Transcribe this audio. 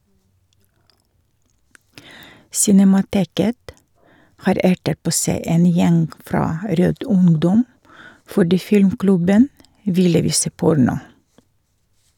Cinemateket har ertet på seg en gjeng fra "Rød ungdom" fordi filmklubben ville vise porno.